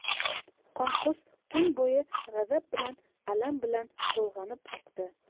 qonqus tun bo'yi g'azab bilan alam bilan to'lg'anib oqdi